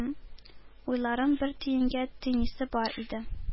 Уйларын бер төенгә төйнисе бар иде.